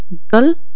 الظل